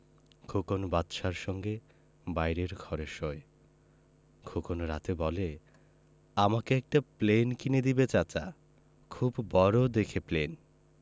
খোকন বাদশার সঙ্গে বাইরের ঘরে শোয় খোকন রাতে বলে আমাকে একটা প্লেন কিনে দিবে চাচা খুব বড় দেখে প্লেন